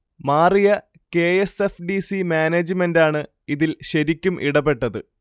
മാറിയ K. S. F. D. C. മാനേജ്മെന്റാണ് ഇതിൽ ശരിക്കും ഇടപെട്ടത്